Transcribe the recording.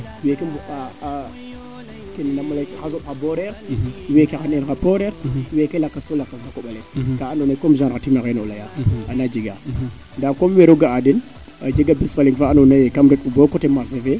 weeke mbuqa kene nam leyta xa sooɓ xa poreer weeke a neen xa poreer weeke lakas fo lakas koɓale kaa ando naye comme genre xa tima xeene o leya ananga jega nda comme wero ga'a den a jega bis fa leng fa ando naye kam ret u bo cote marcher fee